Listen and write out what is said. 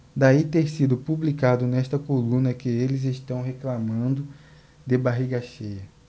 daí ter sido publicado nesta coluna que eles reclamando de barriga cheia